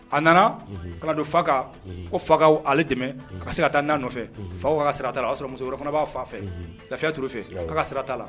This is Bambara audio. A nana ka don fa ko fa ale dɛmɛ ka se ka taa na nɔfɛ fa sira a sɔrɔ musokɔrɔba kɔnɔ'a fa fɛ lafifɛ t fɛ ka ka sira'a la